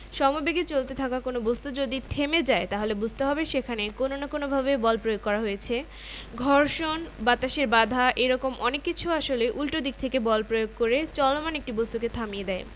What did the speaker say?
3.1 জড়তা বা ইনারশিয়া এবং বলের ধারণা নিউটনের প্রথম সূত্র এর আগের অধ্যায়ে আমরা বেগ দ্রুতি ত্বরণ এবং মন্দন